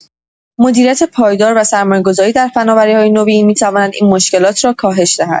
مدیریت پایدار و سرمایه‌گذاری در فناوری‌های نوین می‌تواند این مشکلات را کاهش دهد.